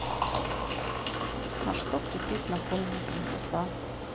на что крепить напольные плинтуса